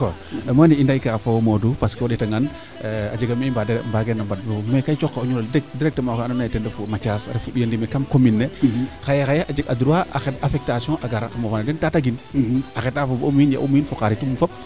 d' accord meene i ndeyka fo Modou parce :far que o ndeeta ngaan a jega ma i mbaageer na mband mais kaa i cooxka o ñuxrole deg directement oxee ando naye ten refu Mathiase o ɓiyo ndime kam commune ne xaye xaye a jeg a droit a xend affectation a gar a moofa na den Tataguine a xeta fo yo'umiin ba'umiin fo xaritum fop